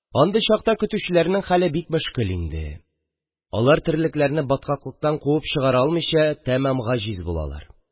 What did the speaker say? Андый чакта көтүчеләрнең хәле бик мөшкел инде – алар терлекләрне баткаклыктан куып чыгара алмыйча тамам гаҗиз булалар...